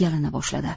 yalina boshladi